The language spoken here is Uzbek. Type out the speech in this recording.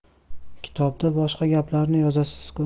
kitobda boshqa gaplarni yozasiz ku